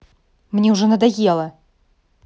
мне уже надоело